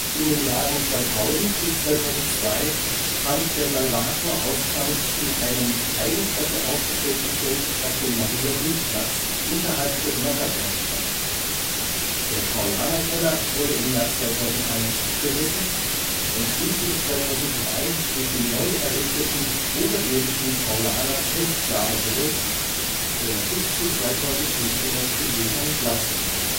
In den Jahren 2000 bis 2002 fand der Salvator-Ausschank in einem eigens dafür aufgestellten Zelt auf dem Mariahilfplatz unterhalb des Nockherbergs statt. Der Paulaner-Keller wurde im Jahr 2001 abgerissen und schließlich 2003 durch den neu errichteten, oberirdischen Paulaner Festsaal ersetzt, der bis zu 2.500 Besuchern Platz bietet